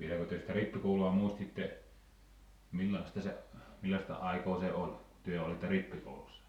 vieläkö te sitä rippikoulua muistitte millaista se millaista aikaa se oli te olitte rippikoulussa